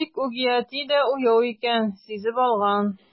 Тик үги әти дә уяу икән, сизеп алган.